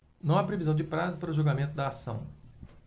não há previsão de prazo para o julgamento da ação